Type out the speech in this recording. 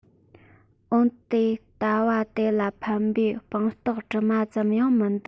འོན ཏེ ལྟ བ དེ ལ ཕན པའི དཔང རྟགས གྲིབ མ ཙམ ཡང མི འདུག